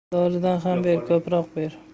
doridan ham ber ko'proq ber